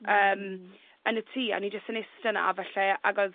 Yym yn y tŷ a o'n i jyst yn iste 'na falle ag odd